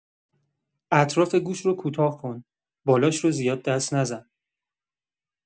اطراف گوش رو کوتاه کن، بالاش رو زیاد دست نزن.